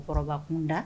Cɛkɔrɔba kun da